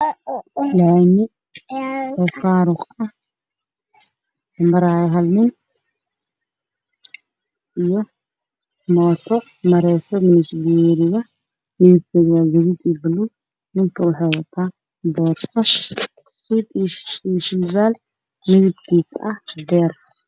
Meeshaan waa laami waxa maraayo nin iyo mooto